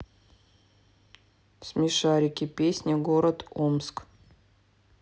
смешарики песня город омск